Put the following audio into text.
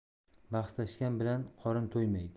bahslashgan bilan qorin to'ymaydi